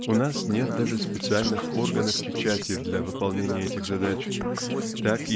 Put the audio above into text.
У нас нет даже специальных органов печати для выполнения этих задач так